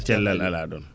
cellal ala ɗon